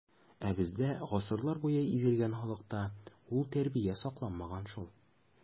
Ә бездә, гасырлар буе изелгән халыкта, ул тәрбия сакланмаган шул.